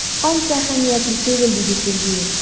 Ансы әһәмиятле түгел,— диде Сергеев.